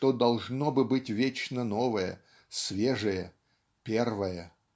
что должно бы быть вечно новое свежее первое.